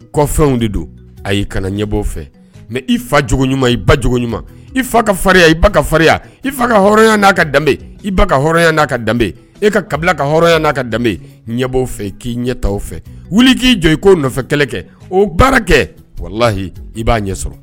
Kɔfɛnw de don a y' kana ɲɛbɔ fɛ mɛ i facogo ɲuman i ba ɲuman i fa ka farinya i ka farinya i fa kaya n'a ka danbe i kaya n'a ka danbe i ka kabila ka hya n'a ka danbe ɲɛ b' fɛ k'i ɲɛta fɛ wuli k'i jɔ i' nɔfɛ kɛlɛ kɛ o baara kɛlahi i b'a ɲɛ sɔrɔ